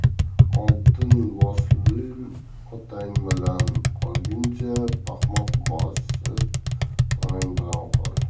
oltin boslui otang bilan qolguncha paxmoq bosbji onang bilan qol